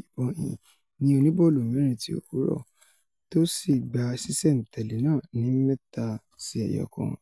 ìbọn yìn ní oníbọ́ọ̀lù-mẹ́rin ti òwúrọ̀, tó sì gba ṣíṣẹ̀-n-tẹ̀lé náà ni 3-1.